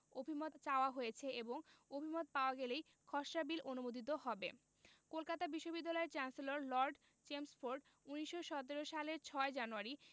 অভিমত চাওয়া হয়েছে এবং অভিমত পাওয়া গেলেই খসড়া বিল অনুমোদিত হবে কলকাতা বিশ্ববিদ্যালয়ের চ্যান্সেলর লর্ড চেমস্ফোর্ড ১৯১৭ সালের ৬ জানুয়ারি